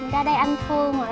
ra đây anh thương ngồi